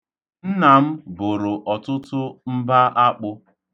Nna m bụrụ ọtụtụ mba akpụ.